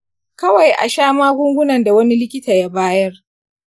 kawai a sha magungunan da wani likita ya bayar